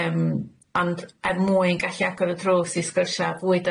Yym ond er mwyn gallu agor y drws i sgwrsio a bwyd